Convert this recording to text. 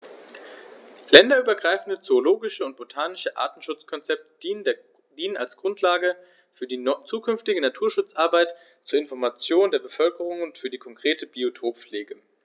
Länderübergreifende zoologische und botanische Artenschutzkonzepte dienen als Grundlage für die zukünftige Naturschutzarbeit, zur Information der Bevölkerung und für die konkrete Biotoppflege.